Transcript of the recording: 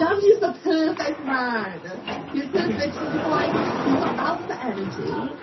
Dami is the perfect man! He's perfect... Yes. ...He's like he's got alpha energy...